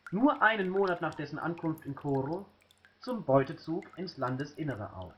nur einen Monat nach dessen Ankunft in Coro – zum Beutezug ins Landesinnere auf